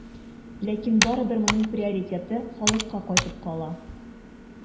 Ләкин барыбер моның приоритеты халыкка кайтып кала.